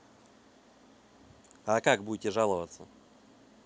а как будете жаловаться